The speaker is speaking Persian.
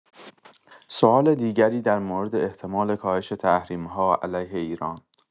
سوال دیگری در مورد احتمال کاهش تحریم‌ها علیه ایران